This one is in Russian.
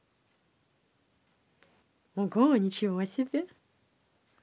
ого ничего себе